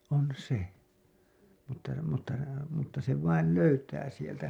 on se mutta mutta mutta se vain löytää sieltä